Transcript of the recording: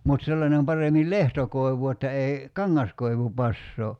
mutta sellainen paremmin lehtokoivu että ei kangaskoivu passaa